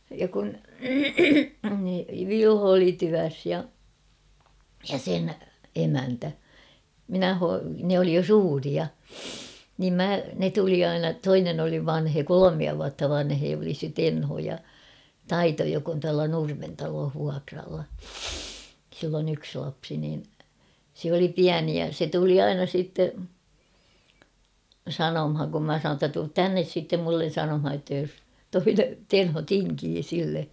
ja kun Vilho oli työssä ja ja sen emäntä minä - ne oli jo suuria niin minä ne tuli aina toinen oli vanhempi kolmea vuotta vanhempi oli se Tenho ja Taito joka on tuolla Nurmen talossa vuokralla sillä on yksi lapsi niin se oli pieni ja se tuli aina sitten sanomaan kun minä sanoin että tule tänne sitten minulle sanomaan jotta jos toinen Tenho tinkii sille